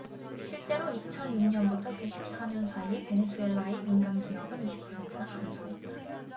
실제로 이천 육 년부터 이천 십 사 년 사이에 베네수엘라의 민간기업은 이십 퍼센트나 감소했다